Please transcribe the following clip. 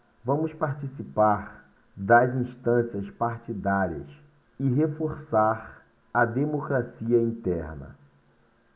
vamos participar das instâncias partidárias e reforçar a democracia interna